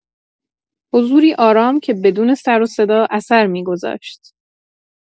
حضوری آرام که بدون سروصدا اثر می‌گذاشت.